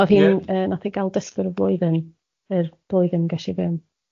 Oedd hi'n... Ie. ...yy wnaeth hi gael dysgwyr y flwyddyn, yr blwyddyn ges i fy myn- fy ngeni.